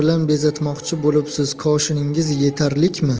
bilan bezatmoqchi bo'libsiz koshiningiz yetarlikmi